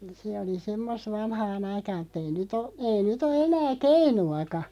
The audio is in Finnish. se oli semmoista vanhaan aikaan mutta ei nyt ole ei nyt ole enää keinuakaan